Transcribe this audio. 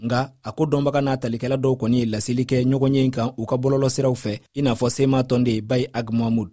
nka ko dɔnbaga dɔw n'a talikɛla dɔw kɔni ye laseli kɛ ɲɔgɔnye in kan u ka bɔlɔlɔsiraw fɛ inafɔ sema tɔnden baye ag mahmud